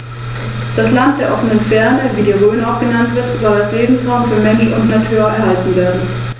Das Weibchen kann eine Körperlänge von 90-100 cm erreichen; das Männchen ist im Mittel rund 10 cm kleiner.